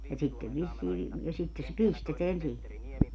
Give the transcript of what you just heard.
ja sitten vissiin - ja sitten se pistetään siihen